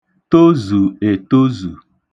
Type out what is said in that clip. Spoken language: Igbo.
tozù ètozù